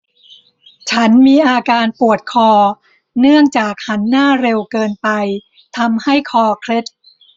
ฉันมีอาการปวดคอเนื่องจากหันหน้าเร็วเกินไปทำให้คอเคล็ด